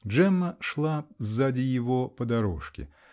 Джемма шла сзади его по дорожке.